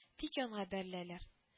Тик янга бәреләләр